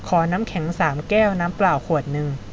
ขอน้ำแข็งสามแก้วน้ำเปล่าขวดหนึ่ง